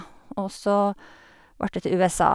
Og så vart det til USA.